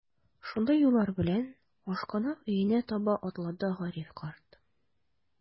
Шундый уйлар белән, ашкынып өенә таба атлады Гариф карт.